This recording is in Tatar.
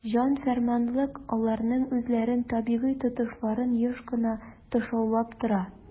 "җан-фәрманлык" аларның үзләрен табигый тотышларын еш кына тышаулап тора.